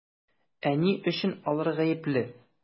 Ә ни өчен алар гаепле?